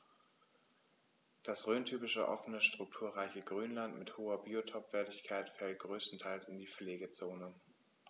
Das rhöntypische offene, strukturreiche Grünland mit hoher Biotopwertigkeit fällt größtenteils in die Pflegezone.